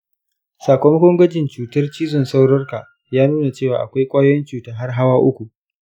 sakamakon gwajin cutar cizon saurorka ya nuna cewa akwai ƙwayoyin cuta har hawa uku.